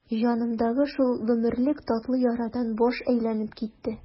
Җанымдагы шул гомерлек татлы ярадан баш әйләнеп китте.